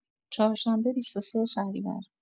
چهارشنبه ۲۳ شهریور